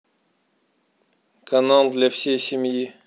канал для всей семьи